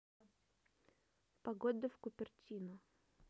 погода в купертино